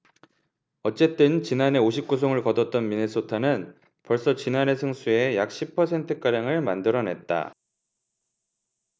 어쨌든 지난해 오십 구 승를 거뒀던 미네소타는 벌써 지난해 승수의 약 십 퍼센트가량을 만들어냈다